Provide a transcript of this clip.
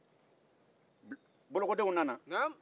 balakodenw nana